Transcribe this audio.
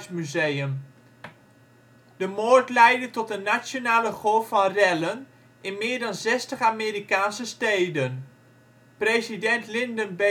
Museum). De moord leidde tot een nationale golf van rellen in meer dan 60 Amerikaanse steden. President Lyndon B.